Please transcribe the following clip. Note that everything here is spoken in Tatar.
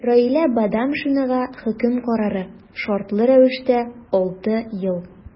Раилә Бадамшинага хөкем карары – шартлы рәвештә 6 ел.